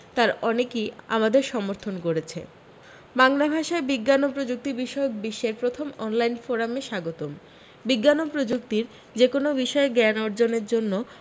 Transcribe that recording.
তার অনেকই আমাদের সমর্থন করেছে বাংলা ভাষায় বিজ্ঞান ও প্রযুক্তি বিষয়ক বিশ্বের প্রথম অনলাইন ফোরামে স্বাগতম বিজ্ঞান ও প্রযুক্তির যেকোনো বিষয়ে জ্ঞান অর্জনের জন্য